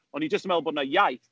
O'n i jyst yn meddwl bod 'na iaith.